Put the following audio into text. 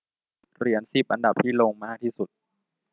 เหรียญสิบอันดับที่ลงมากที่สุด